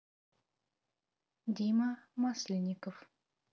дима масленников